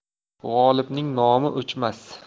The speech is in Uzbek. g'olibning nomi o'chmas